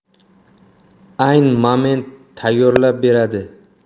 ayn moment tayyorlab beradi